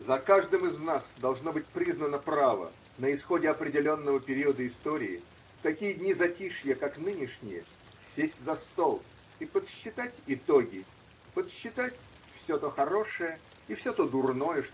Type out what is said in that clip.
За каждым из нас должно быть признано право, на исходе определенного периода истории, в такие дни затишья, как нынешние, сесть за стол и подсчитать итоги, подсчитать все то хорошее и все то дурное.